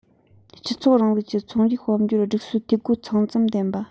སྤྱི ཚོགས རིང ལུགས ཀྱི ཚོང རའི དཔལ འབྱོར སྒྲིག སྲོལ འཐུས སྒོ ཚང ཙམ ལྡན པ